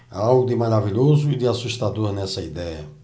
há algo de maravilhoso e de assustador nessa idéia